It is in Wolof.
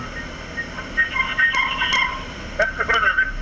est ce que produit bi